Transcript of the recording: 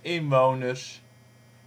inwoners.